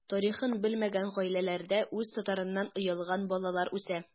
Тарихын белмәгән гаиләләрдә үз татарыннан оялган балалар үсә.